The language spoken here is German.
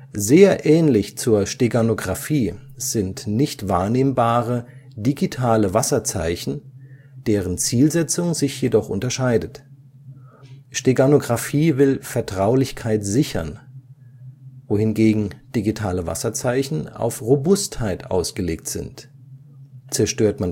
Sehr ähnlich zur Steganographie sind nicht wahrnehmbare digitale Wasserzeichen, deren Zielsetzung sich jedoch unterscheidet. Steganographie will Vertraulichkeit sichern, wohingegen digitale Wasserzeichen auf Robustheit ausgelegt sind (zerstört